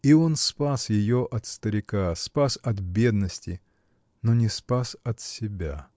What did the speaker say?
И он спас ее от старика, спас от бедности, но не спас от себя.